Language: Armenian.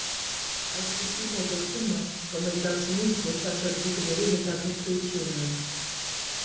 Այդպիսի մոտեցումը կմեծացնի զբոսաշրջիկների հետաքրքրությունը։